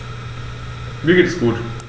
Mir geht es gut.